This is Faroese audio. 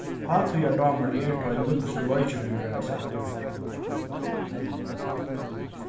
hátíðardámur er tá ið olympisku leikirnir verða settir